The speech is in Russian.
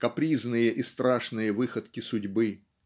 капризные и страшные выходки судьбы